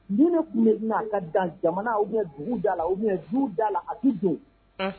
Min tun n ka dan jamana u mɛ dugu da la u bɛ dala la a don